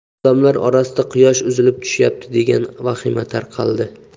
odamlar orasida quyosh uzilib tushyapti degan vahima tarqaldi